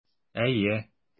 Әйе.